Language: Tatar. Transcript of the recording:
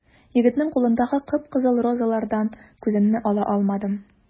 Егетнең кулындагы кып-кызыл розалардан күземне ала алмадым.